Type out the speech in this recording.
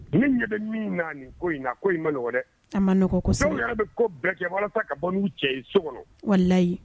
Ni ɲɛ bɛ min ko in ko ma nɔgɔ dɛ a ma bɛ ko bɛɛ ka bɔ' cɛ ye so kɔnɔ walayi